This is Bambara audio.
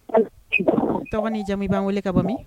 Dɔgɔnin jamu b'an wele ka bɔ